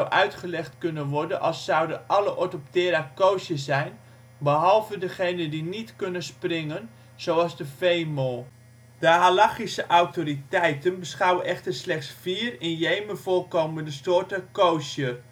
uitgelegd kunnen worden als zouden alle Orthoptera kosher zijn behalve degene die niet kunnen springen, zoals de veenmol. De halakhische autoriteiten beschouwen echter slechts vier in Yemen voorkomende soorten kosher